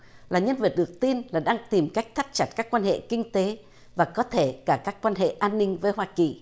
là nhân vật được tin là đang tìm cách thắt chặt các quan hệ kinh tế và có thể cả các quan hệ an ninh với hoa kỳ